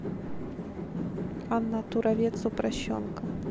анна туровец упрощенка